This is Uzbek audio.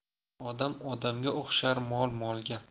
odam odamga o'xshar mol molga